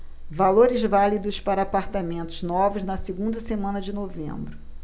valores válidos para apartamentos novos na segunda semana de novembro